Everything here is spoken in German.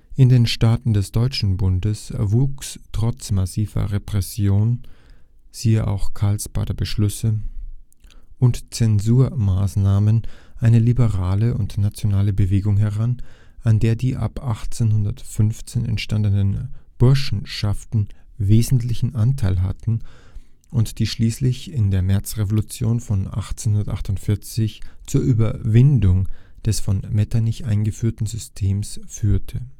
In den Staaten des Deutschen Bundes wuchs trotz massiver Repression (siehe auch Karlsbader Beschlüsse) und Zensurmaßnahmen eine liberale und nationale Bewegung heran, an der die ab 1815 entstandenen Burschenschaften wesentlichen Anteil hatten und die schließlich in der Märzrevolution von 1848 zur Überwindung des von Metternich eingeführten Systems führte